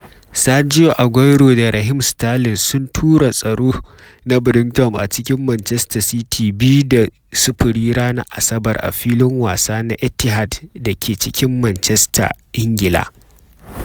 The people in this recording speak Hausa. Sergio Aguero da Raheem Sterling sun tura tsaro na Brighton a cikin cin Manchester City 2 da 0 ranar Asabar a Filin Wasa na Etihad da ke cikin Manchester, Ingila.